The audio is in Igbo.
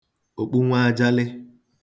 òkpu nwaajalị